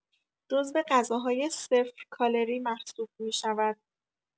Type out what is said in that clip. جزو غذاهای صفر کالری محسوب می‌شود.